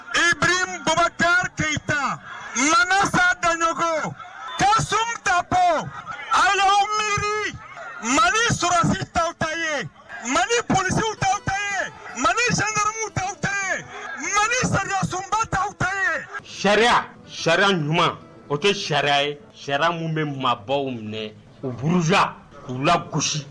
I bɛ npogo tɛ ta ma sataɲɔgɔnkɔ ka sunta ala wuli mali ssi tɔw ta ye mali psi dɔw tɛ mali sakamu dɔw tɛ mali sa sunba ta sariya sariya ɲuman o kɛ sariya ye sariya minnu bɛ mabɔbaww minɛ uuru z u la gosi